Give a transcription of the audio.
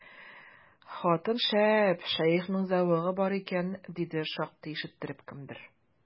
Хатын шәп, шәехнең зәвыгы бар икән, диде шактый ишеттереп кемдер.